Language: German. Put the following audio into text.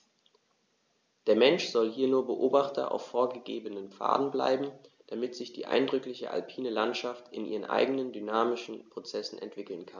Der Mensch soll hier nur Beobachter auf vorgegebenen Pfaden bleiben, damit sich die eindrückliche alpine Landschaft in ihren eigenen dynamischen Prozessen entwickeln kann.